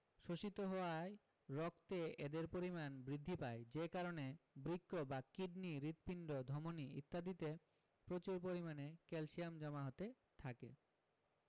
শোষিত হওয়ায় রক্তে এদের পরিমাণ বৃদ্ধি পায় যে কারণে বৃক্ক বা কিডনি হৃৎপিণ্ড ধমনি ইত্যাদিতে প্রচুর পরিমাণে ক্যালসিয়াম জমা হতে থাকে